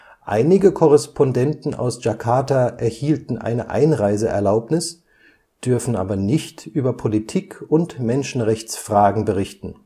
Einige Korrespondenten aus Jakarta erhielten eine Einreiseerlaubnis, dürfen aber nicht über Politik und Menschenrechtsfragen berichten